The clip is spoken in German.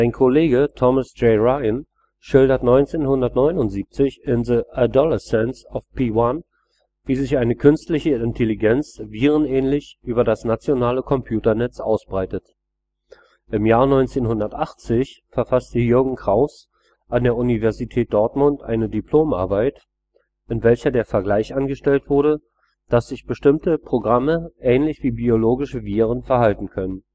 Kollege Thomas J. Ryan schilderte 1979 in The Adolescence of P-1, wie sich eine Künstliche Intelligenz virenähnlich über das nationale Computernetz ausbreitet. Im Jahr 1980 verfasste Jürgen Kraus an der Universität Dortmund eine Diplomarbeit, in welcher der Vergleich angestellt wurde, dass sich bestimmte Programme ähnlich wie biologische Viren verhalten können